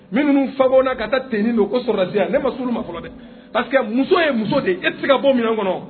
Minnu fako na ka taa tini don ko ne ma sun ma fɔlɔ dɛ pa que muso ye muso de e tɛ se ka bɔ min kɔnɔ